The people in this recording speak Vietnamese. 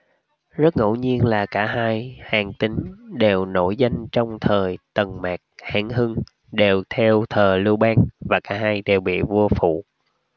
rất ngẫu nhiên là cả hai hàn tín đều nổi danh trong thời tần mạt hán hưng đều theo thờ lưu bang và cả hai đều bị vua phụ